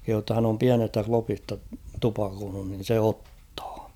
kehui jotta hän on pienestä klopista tupakoinut niin se ottaa